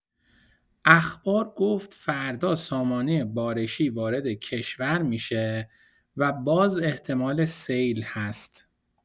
اخبار گفت فردا سامانه بارشی وارد کشور می‌شه و باز احتمال سیل هست.